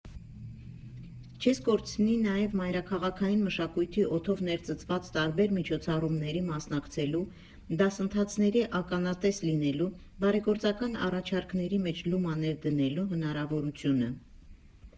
Չես կորցնի նաև մայրաքաղաքային մշակույթի օդով ներծծված տարբեր միջոցառումների մասնակցելու, դասընթացների ականատես լինելու, բարեգործական առաջարկների մեջ լումա ներդնելու հնարավորությունը։